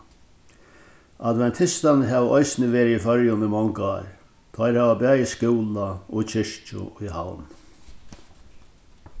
adventistarnir hava eisini verið í føroyum í mong ár teir hava bæði skúla og kirkju í havn